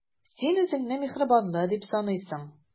Син үзеңне миһербанлы дип саныйсың.